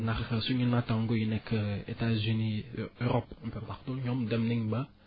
ndax suñu naatàngo yi nekk Etats-Unis Europe partout ñoom dem nañ ba